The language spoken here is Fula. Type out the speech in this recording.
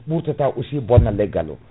ɓurtata aussi bonna leggal o